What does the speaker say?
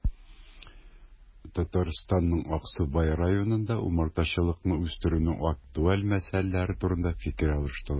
Татарстанның Аксубай районында умартачылыкны үстерүнең актуаль мәсьәләләре турында фикер алыштылар